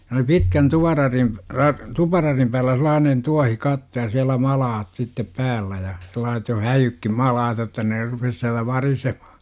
se oli pitkän tuvanradin - tuparadin päällä sellainen tuohikatto ja siellä malat sitten päällä ja sellaiset jo häijytkin malat jotta ne rupesi siellä varisemaan